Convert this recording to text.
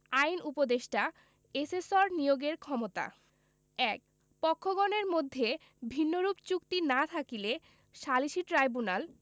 আইন উপদেষ্টা এসেসর নিয়োগের ক্ষমতা ১ পক্ষগণের মধ্যে ভিন্নরূপ চুক্তি না থাকিলে সালিসী ট্রাইব্যুনাল